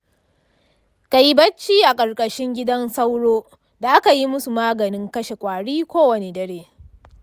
ka yi bacci a ƙarƙashin gidan sauro da aka yi musu maganin kashe kwari kowane dare.